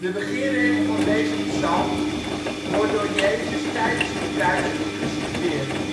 beginregel van deze psalm wordt door Jezus tijdens de kruisiging geciteerd